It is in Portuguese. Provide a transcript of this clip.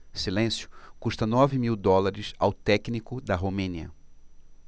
silêncio custa nove mil dólares ao técnico da romênia